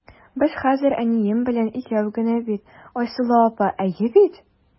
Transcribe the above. Без хәзер әнием белән икәү генә бит, Айсылу апа, әйе бит?